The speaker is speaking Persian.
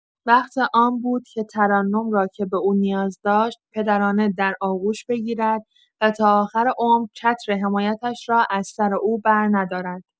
وقت آن بود که ترنم را که به او نیاز داشت، پدرانه در آغوش بگیرد و تا آخر عمر چتر حمایتش را از سر او برندارد.